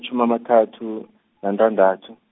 -tjhumi amathathu nantandathu.